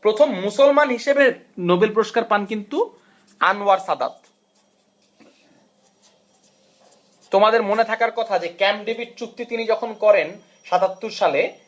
প্রথম মুসলমান হিসেবে নোবেল পুরস্কার পান কিন্তু আনোয়ার সাদাত তোমাদের মনে থাকার কথা যে ক্যাম্প ডেভিড চুক্তি তিনি যখন করেন 77 সালে